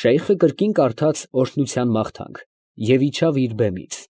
Շեյխը կրկին կարդաց օրհնության մաղթանք և իջավ իր բեմից։